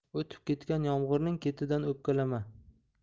o'tib ketgan yomg'irning ketidan o'pkalama